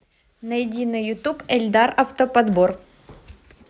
найди на ютуб эльдар автоподбор